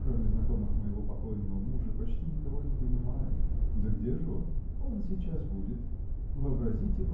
кроме знакомых моего покойного мужа почти никого не принимаю. – Да где же он? – Он сейчас будет. Вообразите